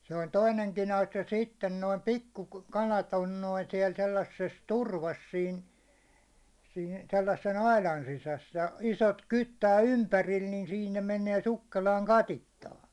se oli toinenkin asia sitten noin pikkukalat on noin siellä sellaisessa turvassa siinä siinä sellaisen aidan sisässä ja isot kyttää ympärillä niin siinä ne menee sukkelaan katiskaankin